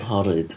Horrid.